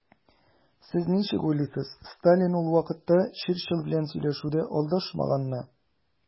Сез ничек уйлыйсыз, Сталин ул вакытта Черчилль белән сөйләшүдә алдашмаганмы?